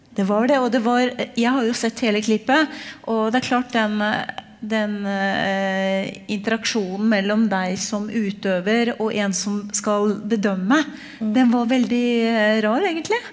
det var det og det var jeg har jo sett hele klippet og det er klart den den interaksjonen mellom deg som utøver og en som skal bedømme, den var veldig rar egentlig.